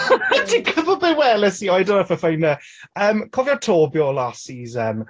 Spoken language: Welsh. Ti'n gwbod be weles i? Oh I don't know if I'll find it. Yym, cofio Toby o last season?